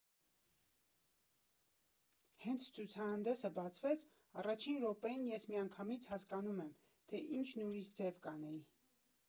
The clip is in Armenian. Հենց ցուցահանդեսը բացվեց, առաջին րոպեին ես միանգամից հասկանում եմ, թե ինչն ուրիշ ձև կանեի։